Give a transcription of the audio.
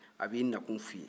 a b'i nakun f'i ye